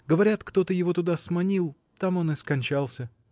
говорят, кто-то его туда сманил там он и скончался.